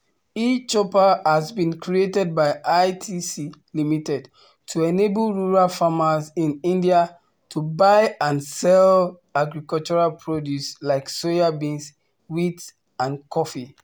e-Choupal has been created by ITC Limited to enable rural farmers in India to buy and sell agricultural produce like soya beans, wheat, and coffee.